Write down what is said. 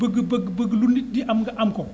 bëgg bëgg bëgg lu nit ñi am nga am ko